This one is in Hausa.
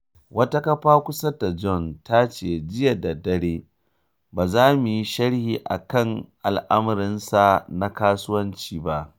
Wata kafa kusa da Jones ta ce jiya da dare “Ba za mu yi sharhi a kan al’amuransa na kasuwanci ba.”